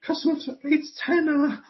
cyswllt reit tena